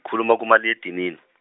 ngikhuluma kumalila edinini .